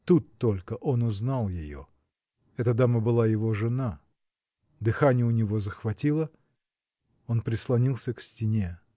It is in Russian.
Тут только он узнал ее: эта дама была его жена. Дыхание у него захватило. Он прислонился к стене.